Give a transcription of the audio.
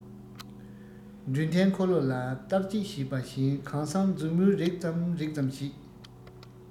འདྲུད འཐེན འཁོར ལོ ལ བརྟག དཔྱད བྱེད པ བཞིན གང སར མཛུབ མོས རེག ཙམ རེག ཙམ བྱེད